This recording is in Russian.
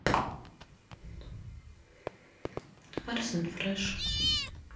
арсен фрэш